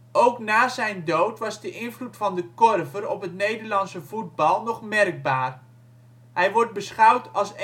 Ook na zijn dood was de invloed van De Korver op het Nederlandse voetbal nog merkbaar. Hij wordt beschouwd als